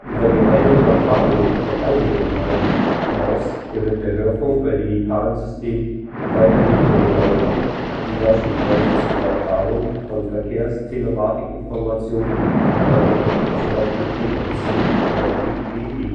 Über die reine Übertragung von Audioinhalten hinaus gewinnt der Hörfunk bei digitalen Systemen weitergehende Bedeutung, wie beispielsweise zur Übertragung von Verkehrstelematikinformationen (z. B. TMC oder TPEG